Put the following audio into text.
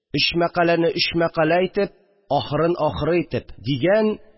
Өч мәкаләне өч мәкалә итеп, ахырын ахыр итеп дигән